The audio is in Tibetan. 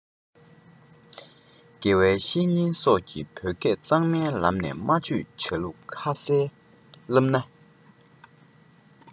དགེ བའི བཤེས གཉེན སོགས ཀྱི བོད སྐད གཙང མའི ལམ ལས སྨྲ བརྗོད བྱ ལུགས ཁ གསལ བསླབ ནས